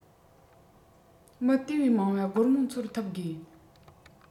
མི དེ བས མང བ སྒོར མོ འཚོལ ཐུབ དགོས